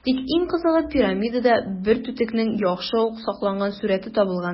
Тик иң кызыгы - пирамидада бер түтекнең яхшы ук сакланган сурəте табылган.